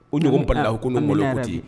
O ɲɔgɔn balahu ko n'u malo ko te ye amina yarabi